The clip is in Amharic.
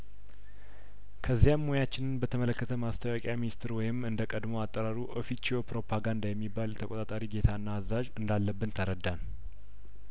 ከዚያም ሙያችንን በተመለከተ ማስታወቂያ ሚኒስትር ወይም እንደቀድሞው አጠራሩ ኦፊ ቺዮ ፕሮፓጋንዳ የሚባል ተቆጣጣሪ ጌታና አዛዥ እንዳለብን ተረዳን